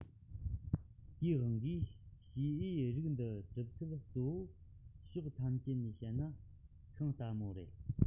དེའི དབང གིས བྱེའུ རིགས འདི གྲུབ ཚུལ གཙོ བོའི ཕྱོགས ཐམས ཅད ནས བཤད ན ཤིང རྟ མོ རེད